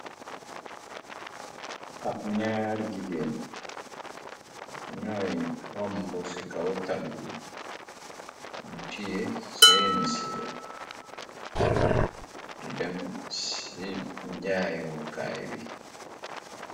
Ab ñaari giggéen ñyoi rombo ci kaw tali bi ñyu tiyeh seeni siiwoo di dem ci njaayokaay bi.